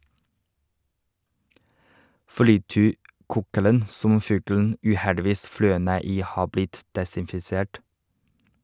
Frityrkokeren som fuglen uheldigvis fløy ned i har blitt desinfisert.